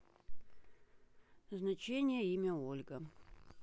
значение имя ольга